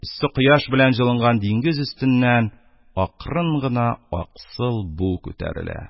Эссе кояш белән җылынган диңгез өстеннән акрын гына аксыл бу күтәрелә.